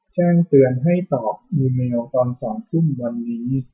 แจ้งเตือนให้ตอบอีเมลตอนสองทุ่มวันนี้